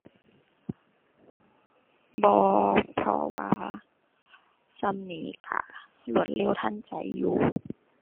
บ่ เพราะว่าส่ำนี้ก็รวดเร็วทันใจอยู่